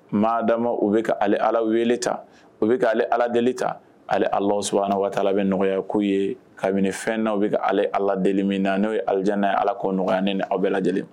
Mada ma u bɛ ka ala wele ta u bɛ ka ala delieli ta ali ala s an waala bɛ nɔgɔyaya'u ye kabini fɛn n' bɛ ka ale ala deli min na n'o ye alajan' ye ala kɔ nɔgɔya ne ni aw bɛ lajɛlen